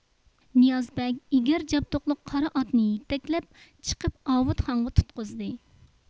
نىياز بەگ ئېگەر جابدۇقلۇق قارا ئاتنى يېتەكلەپ چىقىپ ئاۋۇتخانغا تۇتقۇزدى